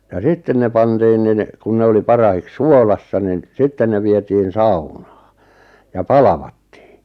ja sitten ne pantiin niin kun ne oli parhaiksi suolassa niin sitten ne vietiin saunaan ja palvattiin